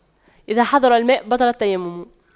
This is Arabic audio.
إذا حضر الماء بطل التيمم